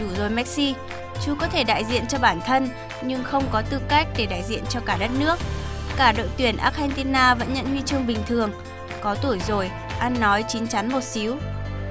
đủ rồi méc si chú có thể đại diện cho bản thân nhưng không có tư cách thì đại diện cho cả đất nước cả đội tuyển acs gen ti na vẫn nhận huy chương bình thường có tuổi rồi anh nói chín chắn một xíu